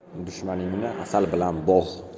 dushmaningni asal bilan bo'g'